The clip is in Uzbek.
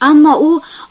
ammo u